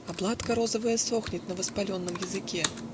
Облатка розовая сохнет На воспаленном языке.